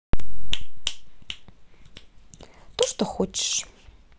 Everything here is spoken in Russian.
то что хочешь